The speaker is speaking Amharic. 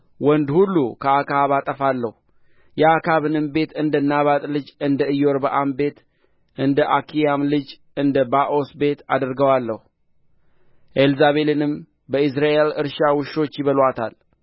ወንድ ሁሉ ከአክዓብ አጠፋለሁ የአክዓብንም ቤት እንደ ናባጥ ልጅ እንደ ኢዮርብዓም ቤት እንደ አኪያም ልጅ እንደ ባኦስ ቤት አደርገዋለሁ ኤልዛቤልንም በኢይዝራኤል እርሻ ውሾች ይበሉአታል